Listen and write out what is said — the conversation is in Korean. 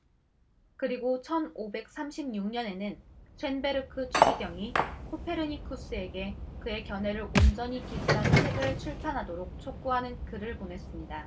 그리고 천 오백 삼십 육 년에는 쇤베르크 추기경이 코페르니쿠스에게 그의 견해를 온전히 기술한 책을 출판하도록 촉구하는 글을 보냈습니다